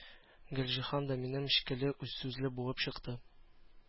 Гөлҗиһан да минем шикелле үзсүзле булып чыкты.